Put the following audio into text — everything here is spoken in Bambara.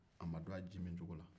a ma dɔn a ji min cogo la